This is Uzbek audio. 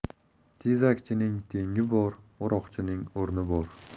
tezakchining tengi bor o'roqchining o'rni bor